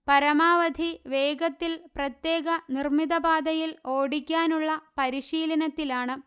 പരമാവധി വേഗത്തിൽ പ്രത്യേക നിർമിത പാതയിൽ ഓടിക്കാനുള്ള പരിശീലനത്തിലാണ്